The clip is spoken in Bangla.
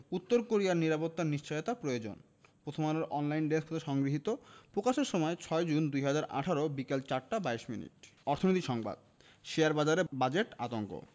উত্তর কোরিয়ার নিরাপত্তার নিশ্চয়তা প্রয়োজন প্রথমআলোর অনলাইন ডেস্ক হতে সংগৃহীত প্রকাশের সময় ৬জুন ২০১৮ বিকেল ৪টা ২২ মিনিট অর্থনীতি সংবাদ শেয়ারবাজারে বাজেট আতঙ্ক